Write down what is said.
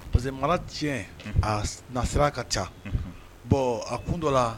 Parce que mana tiɲɛ na sera a ka ca bɔn a kun dɔ la